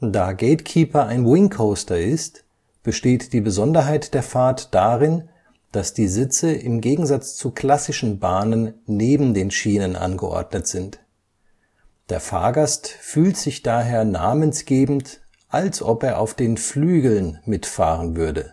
Da GateKeeper ein Wing Coaster ist, besteht die Besonderheit der Fahrt darin, dass die Sitze im Gegensatz zu klassischen Bahnen neben den Schienen angeordnet sind. Der Fahrgast fühlt sich daher namensgebend, als ob er auf den Flügeln (Wings) mitfahren würde